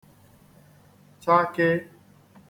-chake